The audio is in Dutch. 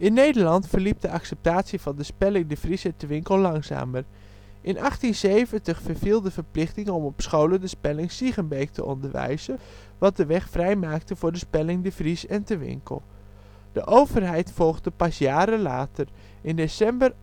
Nederland verliep de acceptatie van de spelling-De Vries en Te Winkel langzamer. In 1870 verviel de verplichting om op scholen de spelling-Siegenbeek te onderwijzen, wat de weg vrijmaakte voor de spelling-De Vries en Te Winkel. De overheid volgde pas jaren later: in december